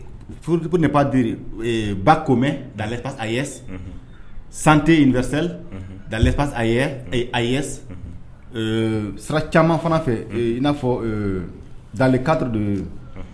Furu de' di ba ko mɛn dafa a ye sante in seli dalefa a a ye sira caman fana fɛ in n'afɔ dalekari de